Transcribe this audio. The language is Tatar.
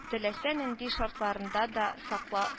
Теләсә нинди шартларында да сакла